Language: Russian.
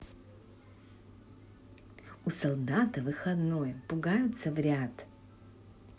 у солдата выходной пугаются вряд